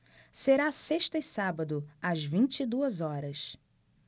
será sexta e sábado às vinte e duas horas